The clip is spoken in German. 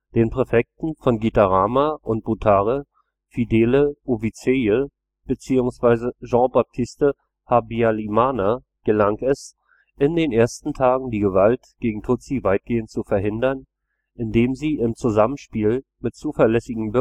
Den Präfekten von Gitarama und Butare, Fidèle Uwizeye beziehungsweise Jean-Baptiste Habyalimana, gelang es, in den ersten Tagen die Gewalt gegen Tutsi weitgehend zu verhindern, indem sie im Zusammenspiel mit zuverlässigen